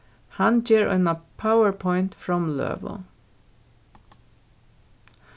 hann ger eina powerpoint framløgu